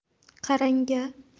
qarang a